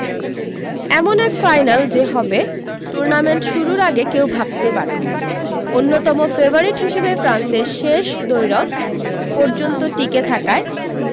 এমন এক ফাইনাল যে হবে টুর্নামেন্ট শুরুর আগে কেউ ভাবতে পারেননি অন্যতম ফেভারিট হিসেবে ফ্রান্সের শেষ দ্বৈরথ পর্যন্ত টিকে থাকায়